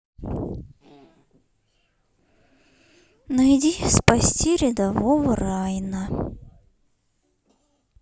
найди спасти рядового райана